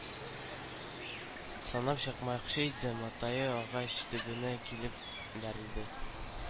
Санап чыкмакчы иде, матае агач төбенә килеп бәрелде.